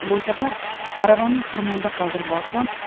bu safar aravani xirmonda qoldirib borsam